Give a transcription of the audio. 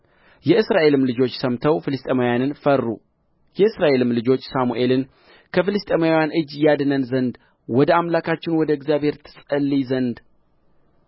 የእስራኤልም ልጆች ሰምተው ፍልስጥኤማውያንን ፈሩ የእስራኤልም ልጆች ሳሙኤልን ከፍልስጥኤማውያን እጅ ያድነን ዘንድ ወደ አምላካችን ወደ እግዚአብሔር ትጸልይልን ዘንድ